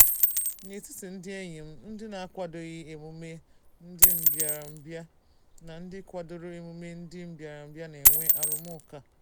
N'etiti ndị enyi m, ndị n'akwadoghị emume ndị mbịarambịa na ndị kwadoro emume ndị mbịarambịa na-enwe arụmụka.